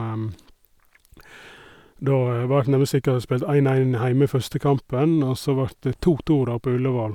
Da vart det nemlig slik at de spilte én én hjemme første kampen, og så vart det to to, da, på Ullevål.